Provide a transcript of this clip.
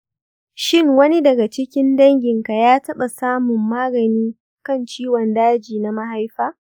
shin wani daga cikin danginki ya taɓa samun magani kan ciwon daji na mahaifa?